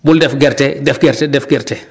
bul def gertez def gerte def gerte